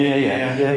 Ie ie. Ie ie.